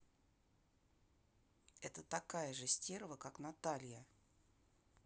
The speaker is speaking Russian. это такая же стерва как наталья